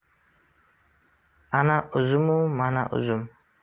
ana uzumu mana uzum